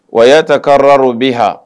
Waaya ta karila o bi h